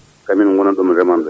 kañumen gonani ɗo mo remani ɓe